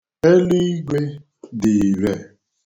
Eluigwe dị irè.